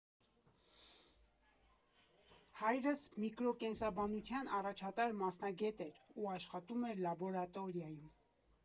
Հայրս միկրոկենսաբանության առաջատար մասնագետ էր ու աշխատում էր լաբորատորիայում։